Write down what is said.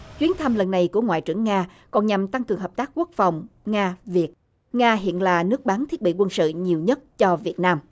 chuyến thăm lần này của ngoại trưởng nga còn nhằm tăng cường hợp tác quốc phòng nga việt nga hiện là nước bán thiết bị quân sự nhiều nhất cho việt nam